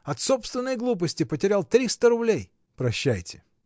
От собственной глупости потерял триста рублей! — Прощайте!